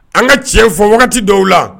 An ka tiɲɛ fɔ wagati dɔw la